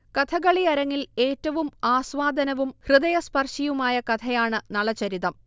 കഥകളിയരങ്ങിൽ ഏറ്റവും ആസ്വാദനവും ഹൃദയസ്പർശിയുമായ കഥയാണ് നളചരിതം